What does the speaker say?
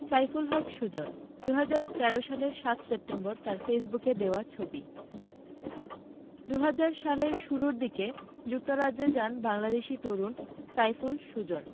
সাইফুল হক সুজন ২০১৩ সালের ৭ সেপ্টেম্বর তাঁর ফেসবুকে দেওয়া ছবি ২০০০ সালের শুরু দিকে যুক্তরাজ্যে যান বাংলাদেশি তরুণ সাইফুল সুজন